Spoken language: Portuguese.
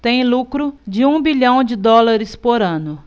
tem lucro de um bilhão de dólares por ano